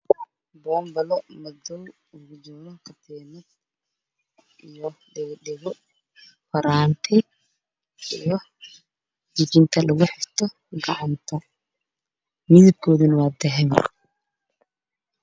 Waa boonbale midabkiisu yahay madow Dahab ayaa ku dhagan